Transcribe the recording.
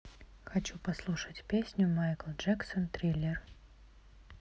хочу послушать песню майкл джексон триллер